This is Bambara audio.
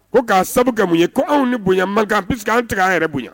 Ko k'a sabu ka mun ye ko anw ni bonyayan mankan kan an pseke anw tigɛ' yɛrɛ bonya